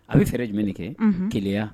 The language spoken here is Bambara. A bɛ fɛ jumɛn kɛ gɛlɛyaya